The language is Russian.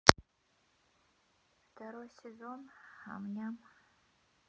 второй сезон ам ням